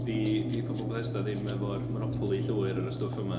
'Di 'di pobl Bethesda ddim efo'r monopoli llwyr ar y stwff yma.